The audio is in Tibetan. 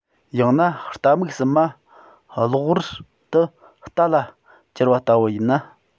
ཡང ན རྟ རྨིག གསུམ མ གློག བུར དུ རྟ ལ གྱུར པ ལྟ བུ ཡིན ན